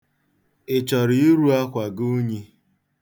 Ị chọrọ iru akwa m unyi?